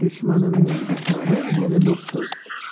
dushmanimning dushmani mening do'stim